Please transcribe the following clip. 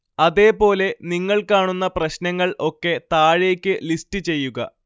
അതേ പോലെ നിങ്ങൾ കാണുന്ന പ്രശ്നങ്ങൾ ഒക്കെ താഴേക്ക് ലിസ്റ്റ് ചെയ്യുക